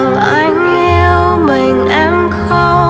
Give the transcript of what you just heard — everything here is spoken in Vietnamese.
anh yêu mình em không